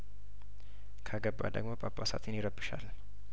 ካገባ ደግሞ ጳጳሳትን ይረ ብሻል